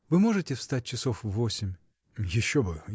Вы можете встать часов в восемь?. — Еще бы!